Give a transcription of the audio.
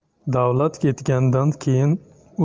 davlat ketgandan keyin